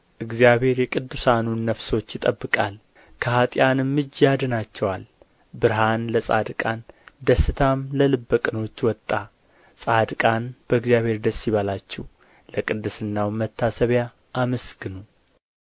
እግዚአብሔር የቅዱሳኑን ነፍሶች ይጠብቃል ከኃጥኣንም እጅ ያድናቸዋል ብርሃን ለጻድቃን ደስታም ለልበ ቅኖች ወጣ ጻድቃን በእግዚአብሔር ደስ ይበላችሁ ለቅድስናውም መታሰቢያ አመስግኑ